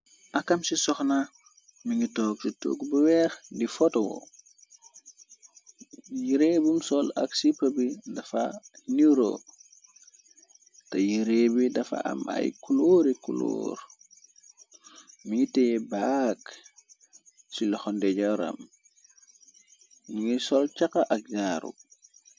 Akam ci soxna mi ngi toog ci tuug bu weex di fotoo yireebum sol ak siper bi dafa neuro te yirée bi dafa am ay kulóore kuloor mingitee baag ci loxandejoram mi ngi sol caxa ak jaaru.